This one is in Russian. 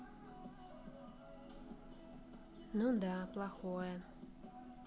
ну да плохое